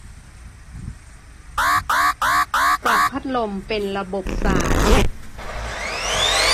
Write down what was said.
ปรับพัดลมเป็นระบบส่าย